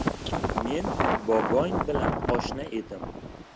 men bobong bilan oshna edim